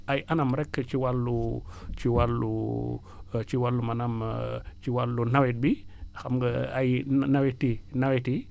ay anama rekk ci wàllu ci wàllu ci wàllum maanaam ci wàllu nawet bi xamù nga ay nawet yi nawet yi